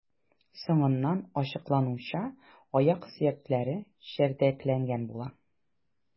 Соңыннан ачыклануынча, аяк сөякләре чәрдәкләнгән була.